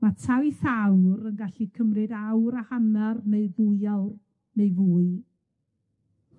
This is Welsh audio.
ma' taith awr yn gallu cymryd awr a hannar neu ddwy awr neu fwy.